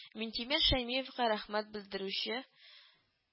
Минтимер Шәймиевка рәхмәт белдерүче